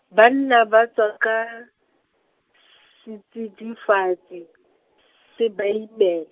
banna ba tswa ka, setsidifatsi, se ba ime-.